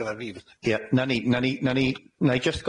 Ie 'na ni 'na ni 'na ni 'na i jyst